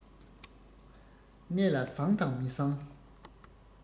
གནས ལ བཟང དང མི བཟང